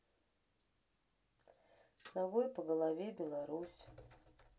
ногой по голове беларусь